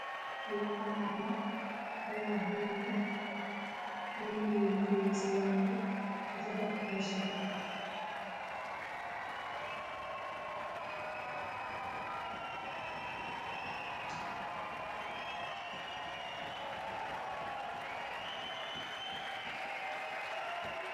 Li palat la, palat bi morm lehnyew ligai yehce wainyi bi, di cee dok sobleh